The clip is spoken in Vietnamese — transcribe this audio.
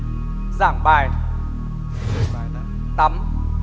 giảng bài tắm